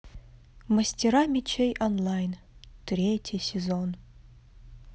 мастера мечей онлайн третий сезон